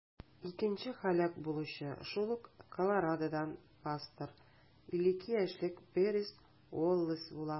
Икенче һәлак булучы шул ук Колорадодан пастор - 52 яшьлек Пэрис Уоллэс була.